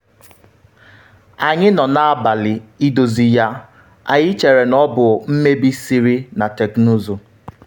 Anyị nọ na-agbalị idozi ya, anyị chere na ọ bụ mmebi siri na teknụzụ.